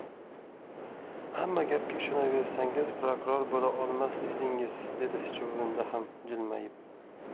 hamma gapga ishonaversangiz prokuror bo'la olmas edingiz dedi chuvrindi ham jilmayib